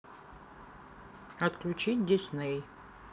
отключить дисней